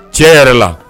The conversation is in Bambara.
Tiɲɛ yɛrɛ la.